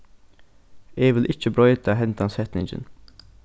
eg vil ikki broyta hendan setningin